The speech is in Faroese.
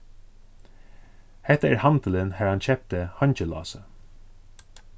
hetta er handilin har hann keypti heingilásið